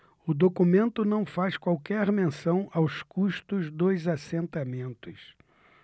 o documento não faz qualquer menção aos custos dos assentamentos